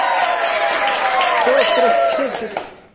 что простите